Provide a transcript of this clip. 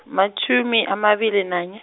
matjhumi amabili nanye.